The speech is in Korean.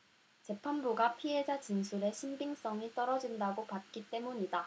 재판부가 피해자 진술의 신빙성이 떨어진다고 봤기 때문이다